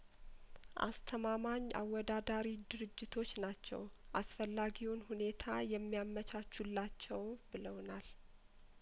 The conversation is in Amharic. አስተማማኝ አወዳዳሪ ድርጅቶች ናቸው አስፈላጊውን ሁኔታ የሚያመቻቹላቸው ብለውናል